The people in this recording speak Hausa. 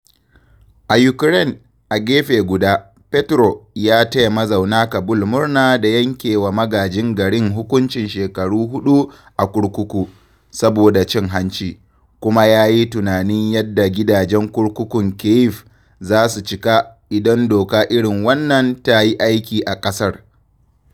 A Ukraine, a gefe guda, Petro ya taya mazaunan Kabul murna da yankewa magajin garin hukuncin shekaru huɗu a kurkuku, saboda cin hanci, kuma ya yi tunanin yadda gidajen kurkukun Kyiv zasu cika, idan doka irin wannan ta yi aiki a ƙasar.